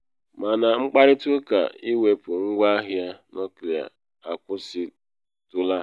Mana mkparịta ụka iwepu ngwa agha nuklịa akwụsịtụla.